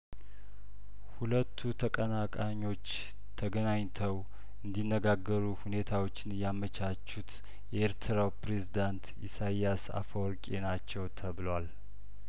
ሁለቱ ተቀናቃኞች ተገናንኝተው እንዲ ነጋገሩ ሁኔታዎችን ያመቻቹት የኤርትራው ፕሬዝዳንት ኢሳይስ አፈወርቂ ናቸው ተብሏል